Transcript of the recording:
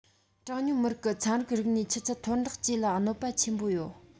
གྲངས ཉུང མི རིགས ཀྱི ཚན རིག རིག གནས ཆུ ཚད མཐོར འདེགས བཅས ལ གནོད པ ཆེན པོ ཡོད